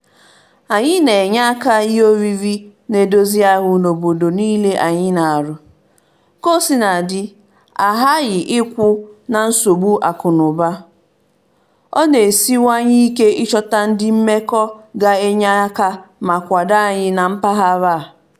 Anyị na-enye enyemaka ihe oriri na-edozi ahụ n'obodo niile anyị na-arụ, kaosinadị, a ghaghị ikwu na nsogbu akụnaụba, ọ na-esiwanye ike ịchọta ndị mmekọ ga-enye aka ma kwado anyị na mpaghara a.